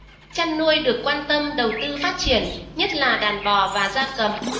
chăn nuôi được quan tâm đầu tư phát triển nhất là đàn bò và gia cầm